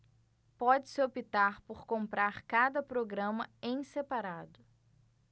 pode-se optar por comprar cada programa em separado